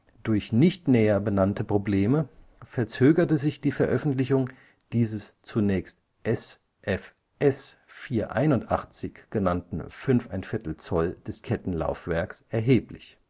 Durch nicht näher benannte Probleme verzögerte sich die Veröffentlichung dieses zunächst SFS 481 genannten 5¼-Zoll-Diskettenlaufwerks erheblich